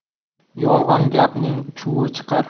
yolg'on gapning chuvi chiqar